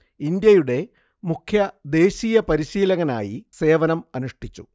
ഇന്ത്യയുടെ മുഖ്യ ദേശീയ പരിശീലകനായി സേവനം അനുഷ്ടിച്ചു